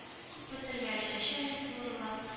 Укып бетергәч нәчәльник булырлар